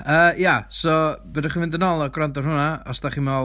Ia so fedrwch chi fynd yn ôl a gwrando ar hwnna, os da chi'n meddwl...